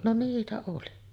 no niitä oli